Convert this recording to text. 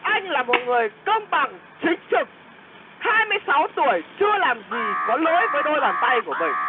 anh là một người công bằng chính trực hai mươi sáu tuổi chưa làm gì có lỗi với đôi bàn tay của mình